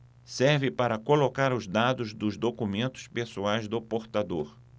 serve para colocar os dados dos documentos pessoais do portador